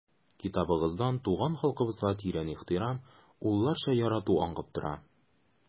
Китабыгыздан туган халкыбызга тирән ихтирам, улларча ярату аңкып тора.